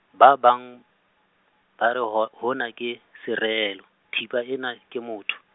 ba bang, ba re ho hona ke, sereello, thipa ena ke motho.